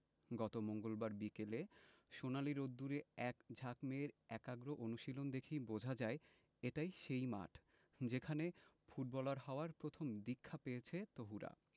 গত মঙ্গলবার বিকেলে সোনালি রোদ্দুরে একঝাঁক মেয়ের একাগ্র অনুশীলন দেখেই বোঝা যায় এটাই সেই মাঠ যেখানে ফুটবলার হওয়ার প্রথম দীক্ষা পেয়েছে তহুরা